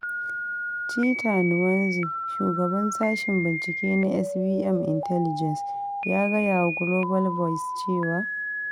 Cheta Nwanze, Shugaban Sashen Bincike na 'SBM Intelligence' ya gaya wa 'Global voice cewa: